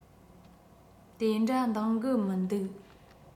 དེ འདྲ འདང གི མི འདུག